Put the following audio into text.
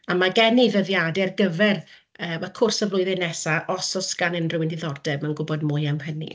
a mae gen i ddyddiadau ar gyfer y cwrs y flwyddyn nesaf os oes gan unrywun ddiddordeb mewn gwybod mwy am hynny.